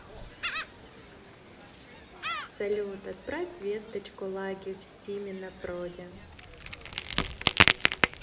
салют отправь весточку лаги в стиме на проде